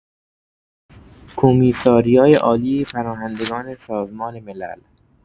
کمیساریای عالی پناهندگان سازمان ملل